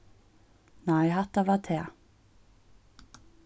nei hatta var tað